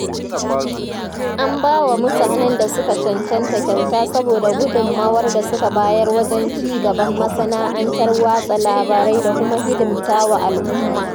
An ba wa mutanen da suka cancanta kyauta saboda gudummawar da suka bayar wajen ci gaban masana'antar watsa labarai da kuma hidimta wa al'umma.